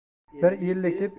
bir ellik deb